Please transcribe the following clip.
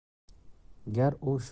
gar u shunday